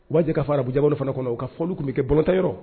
'jɛ ka farabu jabolo fana kɔnɔ u ka fɔ foli tun bɛ kɛ bɔta yɔrɔ